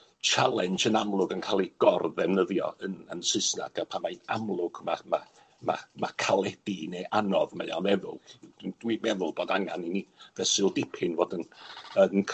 challenge yn amlwg yn ca'l 'i gor-ddefnyddio yn yn Saesnag, a pan mai amlwg ma' ma' ma' ma' caledu neu anodd mae o'n meddwl. Dwi dwi'n meddwl bod angan i ni fesul dipyn fod yn yn